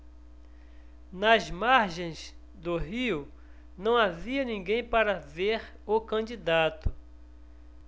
nas margens do rio não havia ninguém para ver o candidato